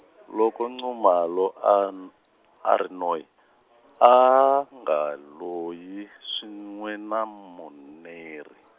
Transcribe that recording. loko Nxumalo a n-, a ri noyi a a nga loyi swin'we na Muneri.